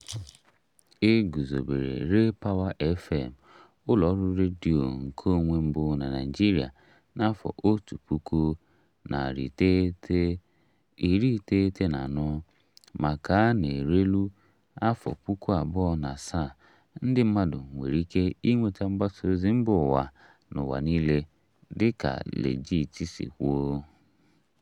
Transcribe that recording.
E gụzọbere RayPower FM, ụlọ ọrụ redio nkeonwe mbụ na Naịjirịa, na 1994, ma ka ọ na-erule 2007, ndị mmadụ nwere ike ịnweta mgbasa ozi mba ụwa n'ụwa niile, dịka Legit si kwuo.